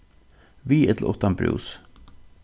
við ella uttan brús